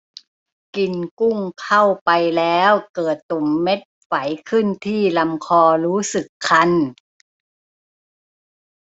กินกุ้งเข้าไปแล้วเกิดตุ่มเม็ดไฝขึ้นที่ลำคอรู้สึกคัน